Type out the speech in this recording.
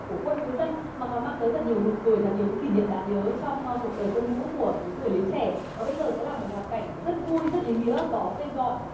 của quân với dân mà còn mang tới thật nhiều nụ cười thật nhiều những kỷ niệm đáng nhớ trong cuộc đời quân ngũ của những người lính trẻ và bây giờ sẽ là một hoạt cảnh rất vui rất ý nghĩa có tên gọi